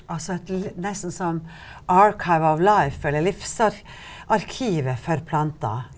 altså et nesten sånn eller arkiv for planter.